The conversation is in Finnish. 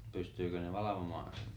pystyikö ne valvomaan sen